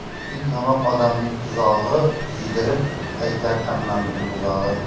tekin tomoq odamning tuzog'i yedirib aytadi ammamning buzog'i